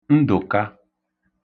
Ndụ̀ka